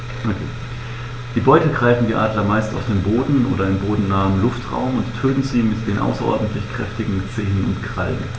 Die Beute greifen die Adler meist auf dem Boden oder im bodennahen Luftraum und töten sie mit den außerordentlich kräftigen Zehen und Krallen.